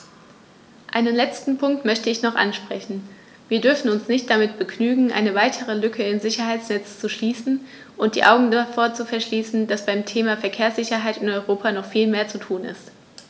Einen letzten Punkt möchte ich noch ansprechen: Wir dürfen uns nicht damit begnügen, eine weitere Lücke im Sicherheitsnetz zu schließen und die Augen davor zu verschließen, dass beim Thema Verkehrssicherheit in Europa noch viel mehr zu tun ist.